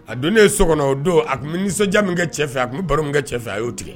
A don ne ye so kɔnɔ o don a nisɔndiya min kɛ cɛfɛ a tun baro min kɛ cɛ fɛ a y'o tigɛ